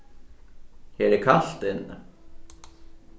her er kalt inni